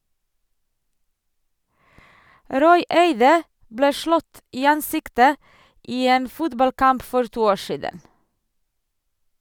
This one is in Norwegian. Roy Eide ble slått i ansiktet i en fotballkamp for to år siden.